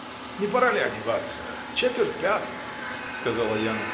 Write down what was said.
— Не пора ли одеваться: четверть пятого! — сказал Аянов.